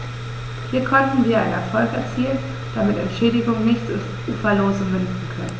Hier konnten wir einen Erfolg erzielen, damit Entschädigungen nicht ins Uferlose münden können.